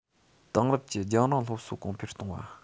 དེང རབས ཀྱི རྒྱང རིང སློབ གསོ གོང འཕེལ གཏོང བ